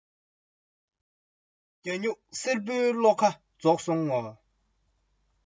ཡིན ཡང རྒྱ ཤོག རི མོས ཁེངས སོང ངོ